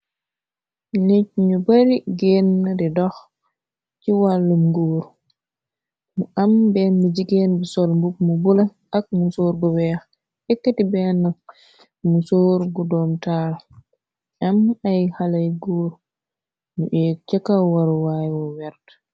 nit ñu bari genn di dox ci wàllum guur mu am benn jigéen bi solmbub mu bula ak mu soor gu weex ekkati benn mu soor gu doom taal am ay xalay guur ñu e cakaw waruwaaywu wert